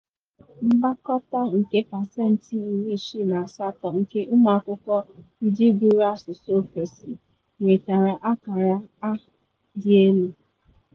Mgbakọta nke pasentị 68 nke ụmụ akwụkwọ ndị gụrụ asụsụ ofesi nwetara akara A Dị Elu.